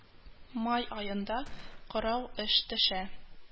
Май аенда кырау еш төшә